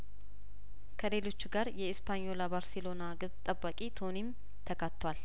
ከሌሎቹ ጋር የኤስፓኞላ ባርሴሎና ግብ ጠባቂ ቶኒም ተካቷል